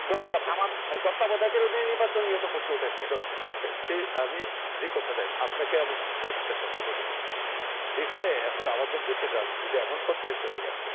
ধন্যবাদ আপনাকে আমার মানে তত্ত্বাবধায়ক এর অধীনে নির্বাচন নিয়ে প্রশ্ন উঠেছে আমি যে কথাটা আপনাকে আমি একটা কথা বলে দেই যেখানে এখন আমাদের দেশের রাজনীতিতে এমন পর্যায়ে চলে গেছে